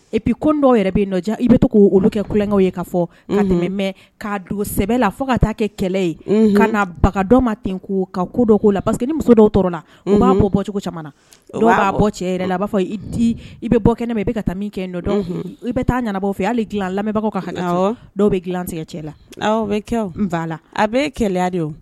I ko dɔw bɛ' cɛ i bɛ to k'o olu kɛ kukɛ ye ka fɔ ka tɛmɛ mɛn' sɛbɛnbɛ la fo ka taa kɛ kɛlɛ ye ka na bagan dɔ ma ten ko ka kodo'o la parceseke que ni muso dɔw tora b'a bɔ bɔ dɔw b'a bɔ cɛ la a b'a fɔ di i bɛ bɔ kɛnɛ mɛn i bɛ ka taa min kɛ i bɛ taa nanabɔ fɛ hali lamɛnbagaw kan dɔw bɛ gtigɛ la aw bɛ kɛ la a bɛ kɛlɛya